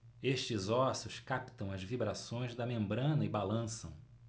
estes ossos captam as vibrações da membrana e balançam